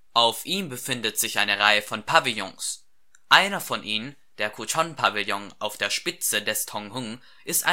Auf ihm befinden sich eine Reihe von Pavillons. Einer von ihnen, der Kuchon-Pavillon auf der Spitze des Tonghung ist